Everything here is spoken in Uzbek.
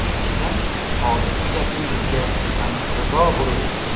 ishonsam hozirgi gapingizga ham rizo bo'lur edim